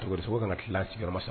sogo ka kan ka tila sigiyɔrɔma 3.